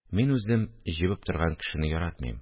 Мин үзем җебеп торган кешене яратмыйм